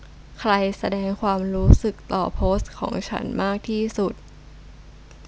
ใครแสดงความรู้สึกต่อโพสต์ของฉันมากที่สุด